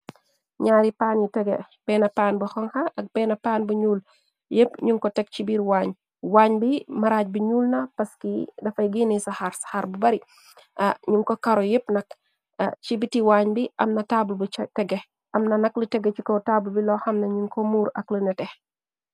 ñaari pan i g benn paan bu konka ak benn paan bu ñul yépp ñuñ ko teg ci biir waañ. Waañ bi maraaj bi ñuul na paski dafay ginni saxar saxar bu bari. Nun ko karu ypp nak ci biti waañ bi am na taabul bu tege. Amna nak lu tëge ci ko taabul bi loo xamna ñun ko muur ak lu nete.